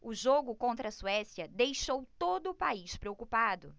o jogo contra a suécia deixou todo o país preocupado